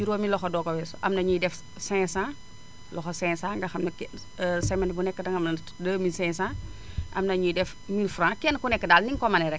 juróomi loxo doo ko weesu am na ñuy def 500 loxo 500 nga xam ne semaine bu ne danga mën natt 2500 am na ñuy def 1000F kenn ku nekk daal ni nga ko mënee rek